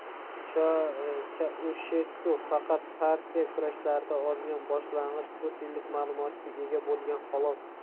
chaushesku faqat partiya kurslarida olgan boshlang'ich to'rt yillik ma'lumotga ega bo'lgan xolos